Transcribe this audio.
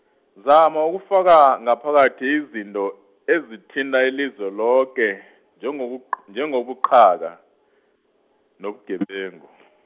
zama ukufaka ngaphakathi izinto, ezithinta ilizwe loke, njengobuq- njengobuqhaka, nobugebengu .